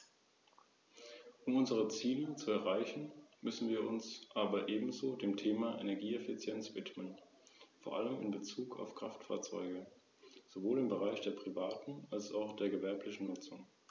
In dieser Phase müssen wir uns darauf konzentrieren, wie mit diesem Prozess die Regionalpolitik der Union gelenkt werden kann, und zwar im Hinblick auf die Zielsetzung, die regionalen Unterschiede abzubauen.